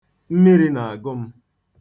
Mmiri na-agụ m.